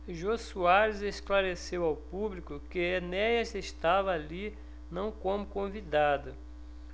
jô soares esclareceu ao público que enéas estava ali não como convidado